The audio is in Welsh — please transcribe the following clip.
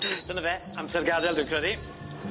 Dyna fe, amser gad'el dwi'n credu.